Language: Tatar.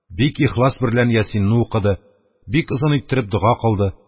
Бик ихлас 286 берлән «ясин»ны укыды; бик озын иттереп дога кылды.